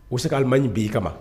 O bɛ se ka alini b' i kama